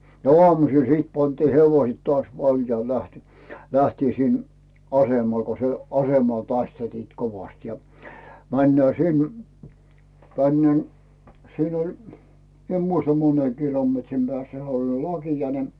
no aamusilla sitten pantiin hevoset taas valjaihin lähti lähdettiin sinne asemalle kun se asemalla taisteltiin kovasti ja mennään sinne tänne siinä oli minä en muista monen kilometrin päässä se oli lakia ne